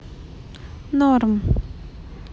норм